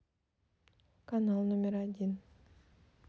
канал номер один